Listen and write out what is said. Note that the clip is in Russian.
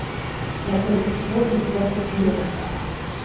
я только сегодня тебя купила